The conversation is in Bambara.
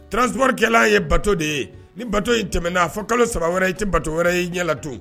Traskɛla' ye bato de ye ni bato in tɛmɛna a fɔ kalo saba wɛrɛ ye tɛ bato wɛrɛ ye'i ɲɛlato